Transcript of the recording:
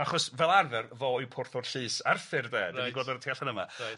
Achos fel arfer fo yw Porthwr Llys Arthur 'de. Reit. 'Dan ni'n gweld o ar y tu allan yma. Reit.